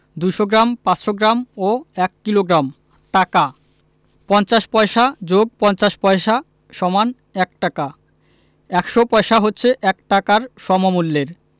২০০ gram ৫০০ gram ও ১ kilogram টাকাঃ ৫০ পয়সা + ৫০ পয়স = ১ টাকা ১০০ পয়সা হচ্ছে ১ টাকার সমমূল্যের